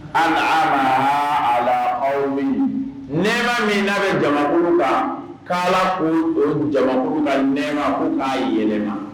A ala aw min nema min na bɛ jama kan kala k ko o jama kan nɛma ko k'a yɛlɛmama